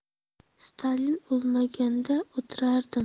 stalin o'lmaganda o'tirardim